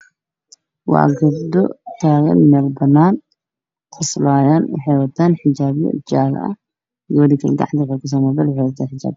Waa gabdho taagan meel bannaan ah way qoslayaal waxaynu wataan xijaabo jaal ah midda saxaafada ee wataa mobel